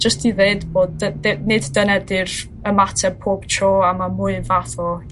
jyst i ddeud bod dy- dy- nid dyna 'di'r ymateb pob tro a ma' mwy fath o